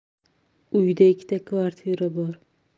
uyda ikkita kvartira bor